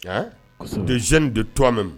Nka tɛ zɛn de to min